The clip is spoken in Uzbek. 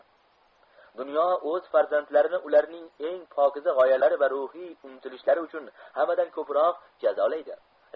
dunyo o'z farzandlarini ularning eng pokiza g'oyalari va mhiy umtilishlari uchun hammadan ko'proq jazolaydi